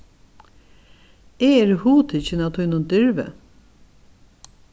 eg eri hugtikin av tínum dirvi